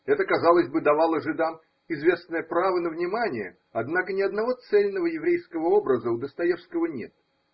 Это, казалось бы, давало жидам известное право на внимание: однако ни одного цельного еврейского образа у Достоевского нет.